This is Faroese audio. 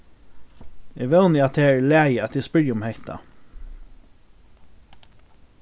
eg vóni at tað er í lagi at eg spyrji um hetta